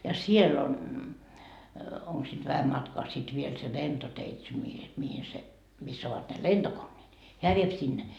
ja siellä on onko siitä vähän matkaa sitten vielä se lentoteitse mihin mihin se missä ovat ne lentokoneet hän vie sinne